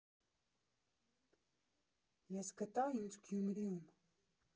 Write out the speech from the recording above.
Ես գտա ինձ Գյումրիում։